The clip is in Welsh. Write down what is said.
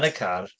Yn y car.